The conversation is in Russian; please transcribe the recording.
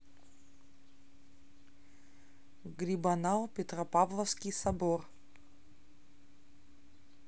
грибанал петропавловский собор